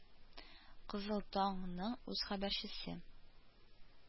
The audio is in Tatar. Кызыл таң ның үз хәбәрчесе